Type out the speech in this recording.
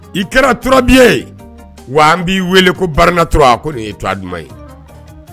I kɛra turabiya wa an b'i weele ko baura nin yeura duman ye